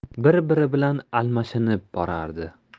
bir biri bilan almashinib borardi